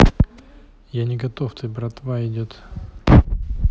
я не готов ты братва идет